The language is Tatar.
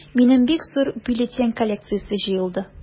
Минем бик зур бюллетень коллекциясе җыелды.